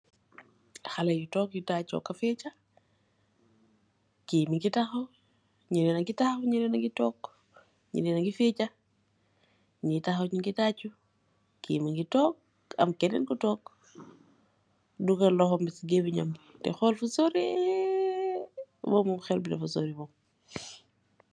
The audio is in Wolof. Haleh yu tokk di tachu ak di fehcha